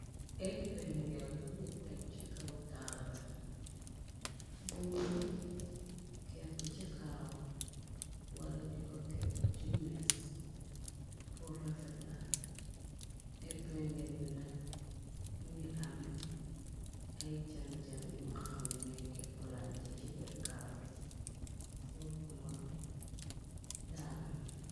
Epengel buñu tëg ci kaw taabal buñuy képp ci karaw wala di ko kepp ci mees pur refeta epengel bi nag mi ngi am ay jam jam yu nga xam nañuoy kepp lanté ci bir karaw gi pr buma daanu.